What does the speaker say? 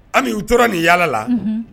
An bɛ u tora nin yaala